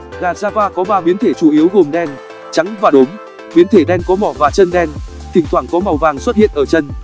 gà java có biến thể chủ yếu gồm đen trắng và đốm biến thể đen có mỏ và chân đen thỉnh thoảng có màu vàng xuất hiện ở chân